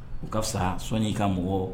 O ka fisa sɔni ka mɔgɔw